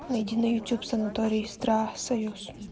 найди на ютюб санаторий истра союз